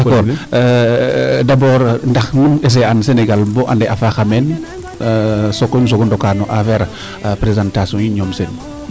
d' accord ndax nu essayer aan Senegal bo ande a faaxa meen sokoy nu soogo ndoka no affaire presentation yiin ñoom sene